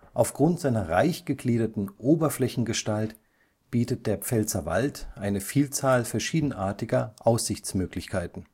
Aufgrund seiner reich gegliederten Oberflächengestalt bietet der Pfälzerwald eine Vielzahl verschiedenartiger Aussichtsmöglichkeiten